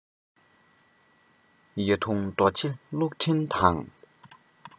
ཡ བདུད རྡོ རྗེ གློག ཕྲེང དང